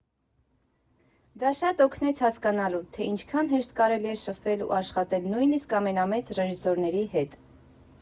Դա շատ օգնեց հասկանալու, թե ինչքան հեշտ կարելի ա շփվել ու աշխատել նույնիսկ ամենամեծ ռեժիսորների հետ։